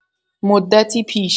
مدتی پیش